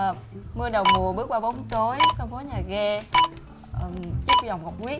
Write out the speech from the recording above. ờ mưa đầu mùa bước qua bóng tối sau phố nhà ghe ờ chiếc vòng ngọc huyết